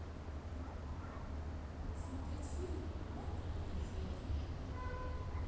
смотреть фильм наркокурьер